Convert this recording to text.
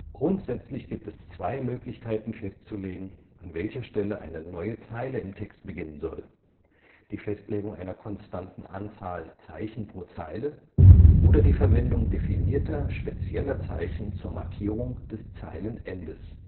Grundsätzlich gibt es zwei Möglichkeiten festzulegen, an welcher Stelle eine neue Zeile im Text beginnen soll: die Festlegung einer konstanten Anzahl Zeichen pro Zeile oder die Verwendung definierter spezieller Zeichen zur Markierung des Zeilenendes